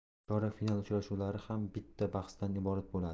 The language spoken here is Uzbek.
chorak final uchrashuvlari ham bitta bahsdan iborat bo'ladi